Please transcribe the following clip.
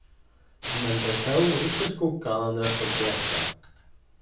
men tey sóu ikki skuggan av nøkrum breta